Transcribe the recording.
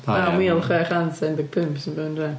Naw mil chwech cant ac un deg pump sy'n byw yn Dre.